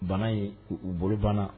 Bana in u bolo banna